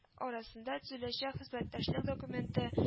Арасында төзеләчәк хезмәттәшлек документы